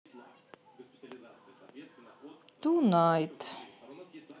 ту найт